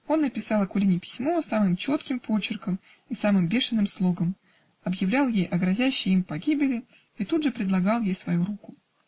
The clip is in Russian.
Он написал Акулине письмо самым четким почерком и самым бешеным слогом, объявлял ей о грозящей им погибели, и тут же предлагал ей свою руку.